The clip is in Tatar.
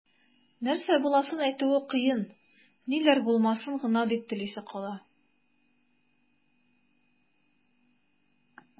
Нәрсә буласын әйтү кыен, ниләр булмасын гына дип телисе кала.